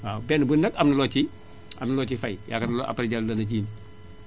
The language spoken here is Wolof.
waaw benn bu ne nag amna loo ciy am na loo ciy fay yaakaar naa loolu après Jalle dana ci